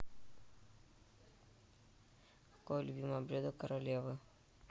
какое любимое блюдо королевы